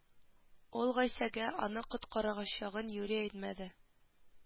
Ул гайсәгә аны коткарачагын юри әйтмәде